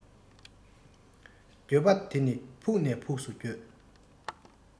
འགྱོད པ དེ ནི ཕུགས ནས ཕུགས སུ འགྱོད